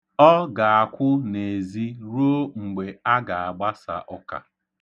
Ọ ga-akwụ n'ezi ruo mgbe a ga-agbasa ụka.